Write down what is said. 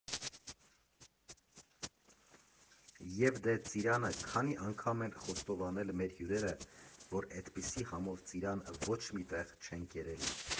Եվ դե ծիրանը, քանի՜ անգամ են խոստովանել մեր հյուրերը, որ էդպիսի համով ծիրան ոչ մի տեղ չեն կերել։